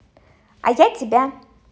а я тебя